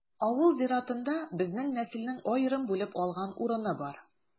Авыл зиратында безнең нәселнең аерым бүлеп алган урыны бар.